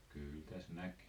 kyllä tässä näkee